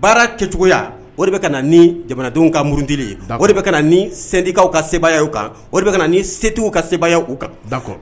baara kɛcogoya o de bɛ ka ni jamanadenw ka murut ye o de bɛ ka ni sendikaw ka seya' u kan o de setigiw ka seya u kan